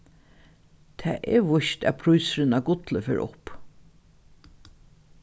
tað er víst at prísurin á gulli fer upp